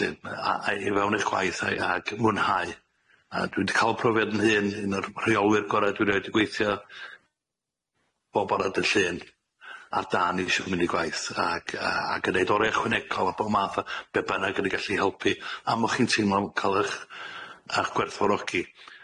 A- a- i fewn i'ch gwaith a- ag mwynhau a dwi 'di ca'l profiad 'yn hun un o'r rheolwyr gorau dwi 'rioed 'di gweithio, bob bore dydd Llun ar dân isio mynd i gwaith ag yy ag yn neud oriau ychwanegol a bob math o be' bynnag yn gallu helpu am 'ych chi'n teimlo ca'l 'ych 'ych gwerthfawrogi.